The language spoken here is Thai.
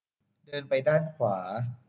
เดินไปด้านขวา